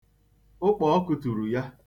Ụkpọọkụ turu ya.